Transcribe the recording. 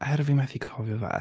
Er fi methu cofio fe.